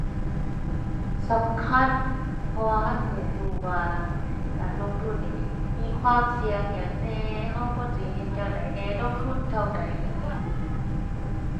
สำคัญ เพราะว่าเราสิได้รู้ว่าการลงทุนนี่มีความเสี่ยงหยังแหน่ เราควรสิเฮ็ดจั่งใดแหน่ ลงทุนเท่าใด